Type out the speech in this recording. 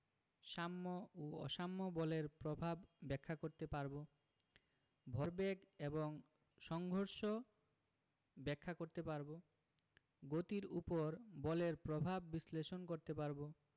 সাম্য ও অসাম্য বলের প্রভাব ব্যাখ্যা করতে পারব ভরবেগ এবং সংঘর্ষ ব্যাখ্যা করতে পারব গতির উপর বলের প্রভাব বিশ্লেষণ করতে পারব